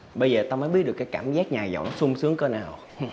bây giờ tao mới biết được cái cảm giác ngày nhỏ sung sướng cỡ nào